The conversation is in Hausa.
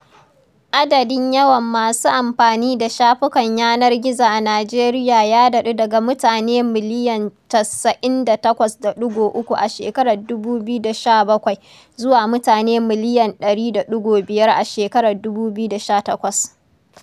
Adadin yawan masu amfani da shafukan yanar gizo a Nijeriya ya daɗu daga mutane million 98.3 a shekarar 2017 zuwa mutane miliyan 100.5 a shekarar 2018.